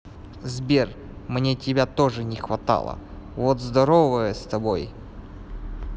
сбер мне тебя тоже не хватало вот здоровое с тобой